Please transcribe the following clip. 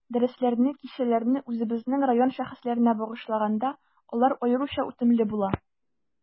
Дәресләрне, кичәләрне үзебезнең район шәхесләренә багышлаганда, алар аеруча үтемле була.